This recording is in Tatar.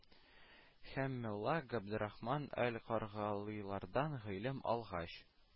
Һәм мелла габдеррахман әл-каргалыйлардан гыйлем алгач,